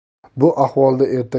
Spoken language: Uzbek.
bu ahvolda ertaga